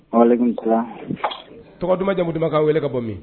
Tɔgɔ dumanjamu duman'a wele ka bɔ min